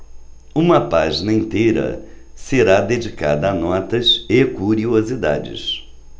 uma página inteira será dedicada a notas e curiosidades